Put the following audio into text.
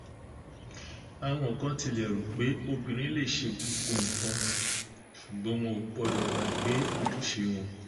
Àwọn kan tilẹ̀ rò pé obìnrin lè ṣe gbogbo nǹkan, ṣùgbọ́n wọn ò gbọdọ̀ gbàgbé "ojúṣe" wọn.